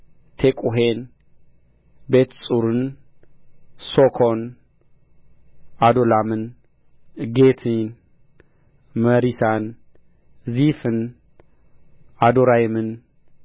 ቴቁሔን ቤትጹርን ሦኮን ዓዶላምን ጌትን መሪሳን ዚፍን አዶራይምን